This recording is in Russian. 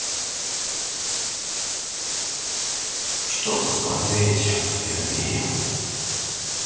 что посмотреть в перми